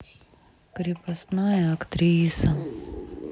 крепостная актриса